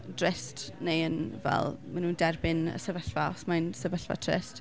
Drist, neu yn fel maen nhw'n derbyn y sefyllfa os mae'n sefyllfa trist.